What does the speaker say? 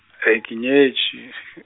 ee ke nyetše .